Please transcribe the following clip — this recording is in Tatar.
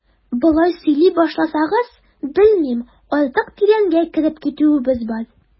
Болай сөйли башласагыз, белмим, артык тирәнгә кереп китүебез бар.